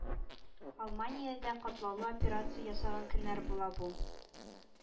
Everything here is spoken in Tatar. Алманиядә катлаулы операция ясаган көннәр була бу.